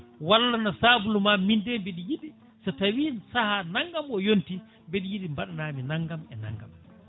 walla ne sabluma min de mbiɗe yiiɗi so tawi saaha naggam o yonti mbeɗe yiiɗi mbaɗanami naggam e naggam